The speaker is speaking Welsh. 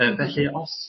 yym felly os